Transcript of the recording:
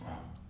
waaw